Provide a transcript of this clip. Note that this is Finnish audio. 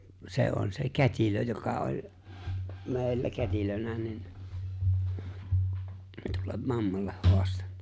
se on se kätilö joka oli meillä kätilönä niin tuolle mammalle haastanut